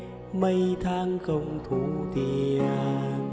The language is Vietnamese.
mấy tháng không thu tiền